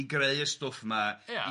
...i greu'r stwff ma... Ia.